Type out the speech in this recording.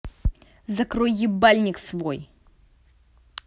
закрой ебальник свой